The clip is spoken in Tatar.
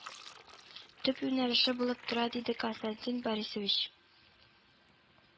Төп юнәлеше булып тора, диде константин борисович